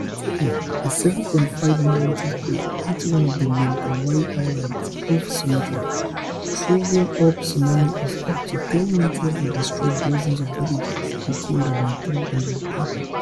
2010: A 7.5 magnitude quake hit one of the Mentawai islands, off Sumatra, triggering up tsunami of up to 10 meters that destroyed dozens of villages and killed around 300 people.